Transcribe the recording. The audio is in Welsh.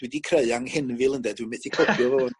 dwi 'di creu anghenfil ynde dwi methu creu fo rŵan.